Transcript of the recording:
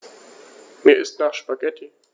Mir ist nach Spaghetti.